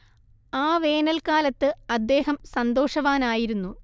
ആ വേനൽക്കാലത്ത് അദ്ദേഹം സന്തോഷവാനായിരുന്നു